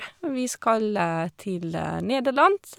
Vi skal til Nederland.